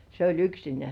se oli yksinään